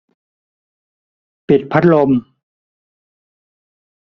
ปิดพัดลม